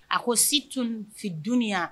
A ko si tun dunanya